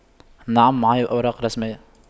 نعم معي أوراق رسمية